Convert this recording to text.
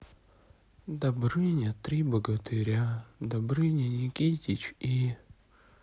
добрыня три богатыря добрыня никитич и